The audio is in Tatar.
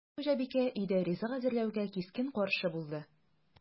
Яшь хуҗабикә өйдә ризык әзерләүгә кискен каршы булды: